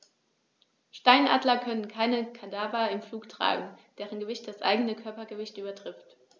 Steinadler können keine Kadaver im Flug tragen, deren Gewicht das eigene Körpergewicht übertrifft.